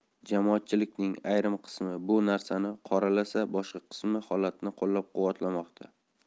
jamoatchilikning ayrim qismi bu narsani qoralasa boshqa qismi bu holatni qo'llab quvvatlamoqda